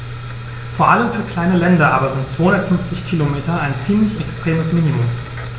Vor allem für kleine Länder aber sind 250 Kilometer ein ziemlich extremes Minimum.